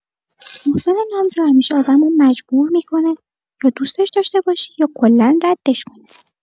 محسن نامجو همیشه آدمو مجبور می‌کنه یا دوسش داشته باشی یا کلا ردش کنی.